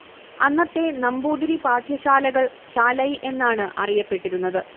അന്നത്തെ നമ്പൂതിരി പാഠ്യശാലകൾ ശാലൈ എന്നാണ് അറിയപ്പെട്ടിരുന്നത്